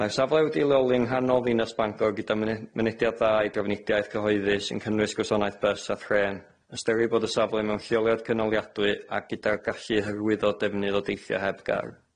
Mae'r safle wedi'i leoli yng nghanol ddinas Bangor gyda myne- mynediad da i drafnidiaeth cyhoeddus yn cynnwys gwasanaeth bys a thren, ystyru bod y safle mewn lleoliad cynaliadwy ac gyda'r gallu hyrwyddo defnydd o deithiau heb gar.